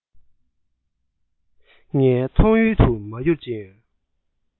ངའི མཐོང ཡུལ དུ མ གྱུར ཅིང